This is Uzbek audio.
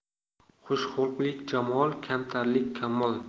xushxulqlik jamol kamtarlik kamol